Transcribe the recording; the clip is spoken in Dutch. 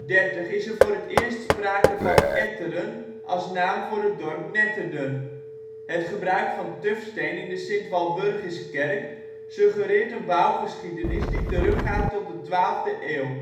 1130 is er voor het eerst sprake van Etteren als naam voor het dorp Netterden. Het gebruik van tufsteen in de Sint-Walburgiskerk suggereert een bouwgeschiedenis die terug gaat tot in de 12e eeuw